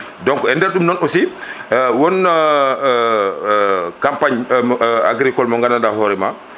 donc e nder ɗum noon aussi won campagne :fa agricole mo gandanɗa hoorema